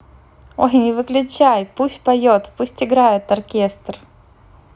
ой не выключай пусть поет пусть играет оркестр